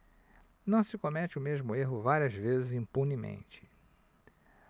não se comete o mesmo erro várias vezes impunemente